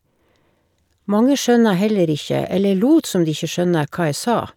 Mange skjønte heller ikke, eller lot som de ikke skjønte, hva jeg sa.